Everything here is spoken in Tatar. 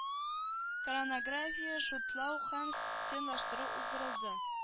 Коронарография шутлау һәм стентлаштыру уздырылды